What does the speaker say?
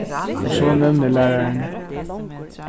og so nevnir lærarin